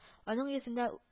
Аның йөзендә